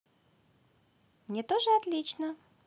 мне тоже отлично